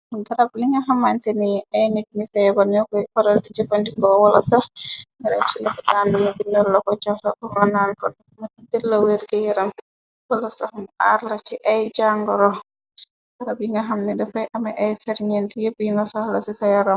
Garab bi nga xamante ni ay nit ñi feebar ño koy faral di jëfandiko, wala sax si loopitaan bi, ñu laf dànnumu bindal lako jox la ko nga naan ko, ndax mu dal di dello sa wergu, yaram wala sax mu aar la ci ay jàngoro. Garab yi nga xam ni dafay ame ay ferñente yépp yi nga soxla ci sa yaram.